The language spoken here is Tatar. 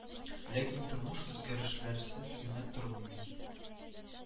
Ләкин тормыш үзгәрешләрсез генә тормый бит